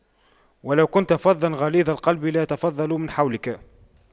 وَلَو كُنتَ فَظًّا غَلِيظَ القَلبِ لاَنفَضُّواْ مِن حَولِكَ